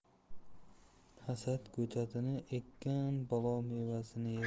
hasad ko'chatini ekkan balo mevasini yer